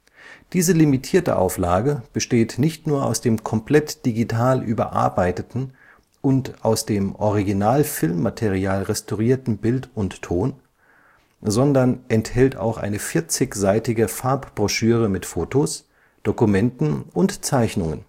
Diese limitierte Auflage besteht nicht nur aus dem komplett digital überarbeiteten und aus dem Original-Filmmaterial restaurierten Bild und Ton, sondern enthält auch eine 40-seitige Farbbroschüre mit Fotos, Dokumenten und Zeichnungen